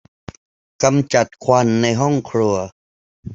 กำจัดควันในห้องครัว